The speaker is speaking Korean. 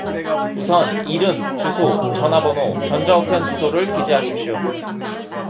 우선 이름 주소 전화번호 전자 우편 주소를 기재하십시오